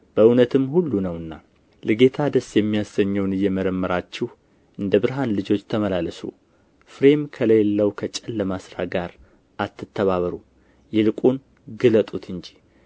በእውነትም ሁሉ ነውና ለጌታ ደስ የሚያሰኘውን እየመረመራችሁ እንደ ብርሃን ልጆች ተመላለሱ ፍሬም ከሌለው ከጨለማ ሥራ ጋር አትተባበሩ ይልቁን ግለጡት እንጂ